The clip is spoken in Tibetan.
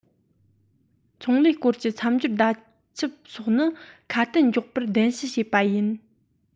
ཚོང ལས སྐོར གྱི མཚམས སྦྱོར བརྡ ཁྱབ སོགས ནི ཁ དན འཇོག པར གདན ཞུ བྱས པ ཡིན